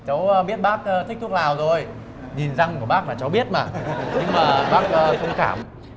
cháu biết bác thích thuốc lào rồi nhìn răng của bác là cháu biết mà nhưng mà bác thông cảm